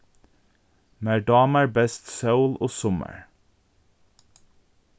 mær dámar best sól og summar